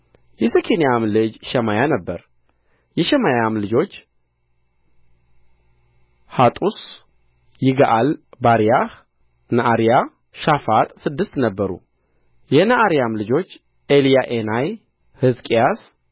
የሴኬንያም ልጅ ሸማያ ነበረ የሸማያም ልጆች ሐጡስ ይግኣል ባርያሕ ነዓርያ ሻፋጥ ስድስት ነበሩ የነዓርያም ልጆች ኤልዮዔናይ ሕዝቅያስ